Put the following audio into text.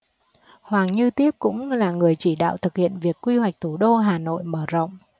hoàng như tiếp cũng là người chỉ đạo thực hiện việc quy hoạch thủ đô hà nội mở rộng